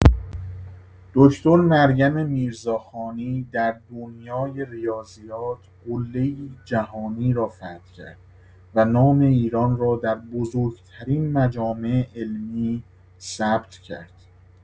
دکتر مریم میرزاخانی در دنیای ریاضیات قله‌ای جهانی را فتح کرد و نام ایران را در بزرگ‌ترین مجامع علمی ثبت کرد.